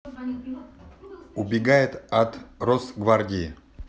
убегает от росгвардии